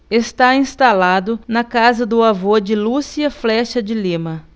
está instalado na casa do avô de lúcia flexa de lima